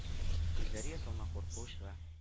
Күзләре ясалма курку чыга